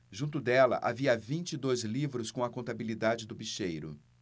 junto dela havia vinte e dois livros com a contabilidade do bicheiro